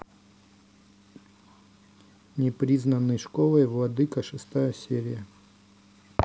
непризнанный школой владыка шестая серия